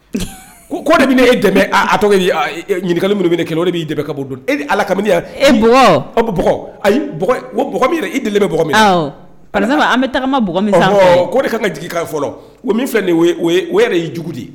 ko ko de be ne e dɛmɛ a a tɔgɔ ye di a i e ɲininkali minnu bena kɛ na o de b'i dɛmɛ kaburudon na e ni Ala kabini yan e bowɔɔ ɔb bɔgɔ ayi bɔgɔ ŋo bɔgɔ i yɛrɛ i delilen bɛ bɔgɔ min na awɔ par exemple an be tagama bɔgɔ min sanfɛ ɔnhɔɔn k'o de kaan ka jig'i kan fɔlɔ o min filɛ nin ye o ye o ye o yɛrɛ y'i jugu de ye